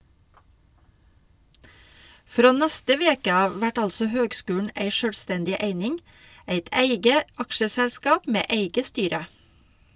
Frå neste veke av vert altså høgskulen ei sjølvstendig eining, eit eige aksjeselskap med eige styre.